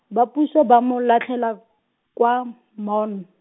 ba puso ba mo latlhela, kwa, Maun.